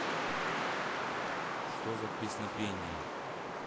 что за песнопение